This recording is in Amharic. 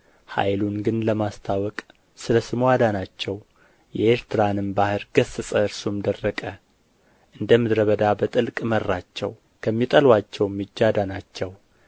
ኃይሉን ግን ለማስታወቅ ስለ ስሙ አዳናቸው የኤርትራንም ባሕር ገሠጸ እርሱም ደረቀ እንደ ምድረ በዳ በጥልቅ መራቸው ከሚጠሉአቸውም እጅ አዳናቸው